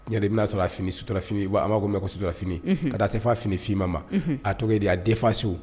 N yɛrɛ i bɛna'a sɔrɔ a fini suturara finiini wa b ko n bɛ ko suturara finiini ka se f' fini ffinma ma a tɔgɔ di a dɛsɛfaso